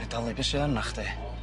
Na'i dalu be' sy arna chdi.